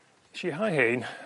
'Esh i hau hein